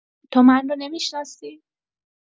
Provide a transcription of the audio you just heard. تو من رو نمی‌شناسی